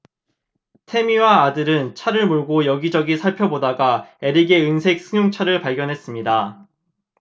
태미와 아들은 차를 몰고 여기 저기 살펴보다가 에릭의 은색 승용차를 발견했습니다